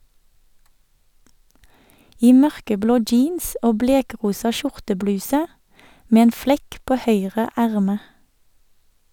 I mørkeblå jeans og blekrosa skjortebluse , med en flekk på høyre erme.